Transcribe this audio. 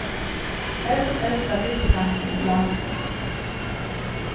helst elsta bryggjukantin í landinum